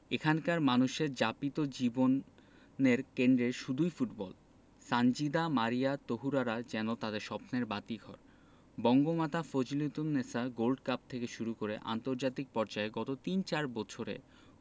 এখানকার মানুষের যাপিত জীবনের কেন্দ্রে শুধুই ফুটবল সানজিদা মারিয়া তহুরারা যেন তাদের স্বপ্নের বাতিঘর বঙ্গমাতা ফজিলাতুন্নেছা গোল্ড কাপ থেকে শুরু করে আন্তর্জাতিক পর্যায়ে গত তিন চার বছরে